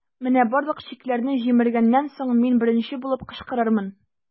Менә барлык чикләрне җимергәннән соң, мин беренче булып кычкырырмын.